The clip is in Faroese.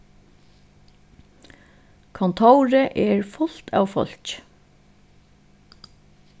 kontórið er fult av fólki